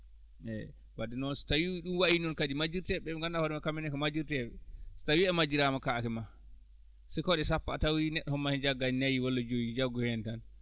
eeyi wadde noon so tawii ɗum wayii noon kadi majjirteeɓe ɓe mo ngannduɗaa hoorema kamɓe ne ko majjirteeɓe si tawii a majjiraama kaake maa si ko ɗe sappo a tawii neɗɗo omo maa heen jaggani nayi walla joyi jaggu heen tan